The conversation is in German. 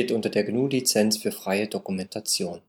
unter der GNU Lizenz für freie Dokumentation